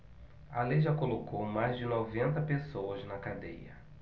a lei já colocou mais de noventa pessoas na cadeia